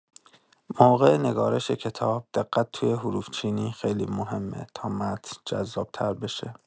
موقع نگارش کتاب، دقت توی حروف‌چینی خیلی مهمه تا متن جذاب‌تر بشه.